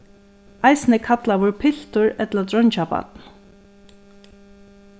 eisini kallaður piltur ella dreingjabarn